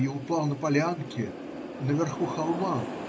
и упал на полянке, наверху холма.